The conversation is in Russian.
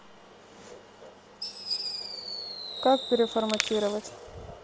как переформатировать